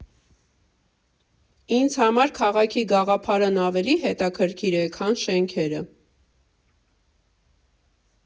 Ինձ համար քաղաքի գաղափարն ավելի հետաքրքիր է, քան շենքերը։